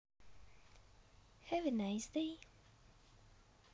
heavy nice day